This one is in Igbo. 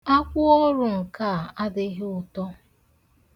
Akwụoru nke a adịghị ụtọ.